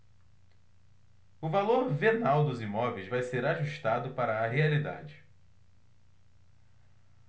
o valor venal dos imóveis vai ser ajustado para a realidade